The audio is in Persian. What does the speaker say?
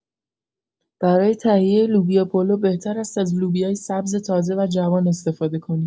برای تهیه لوبیا پلو بهتر است از لوبیا سبز تازه و جوان استفاده کنید.